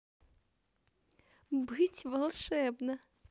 быть волшебно